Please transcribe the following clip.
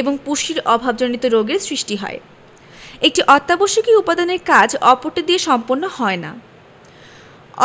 এবং পুষ্টির অভাবজনিত রোগের সৃষ্টি হয় একটি অত্যাবশ্যকীয় উপাদানের কাজ অপরটি দিয়ে সম্পন্ন হয় না